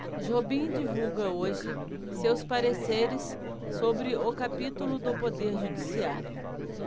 jobim divulga hoje seus pareceres sobre o capítulo do poder judiciário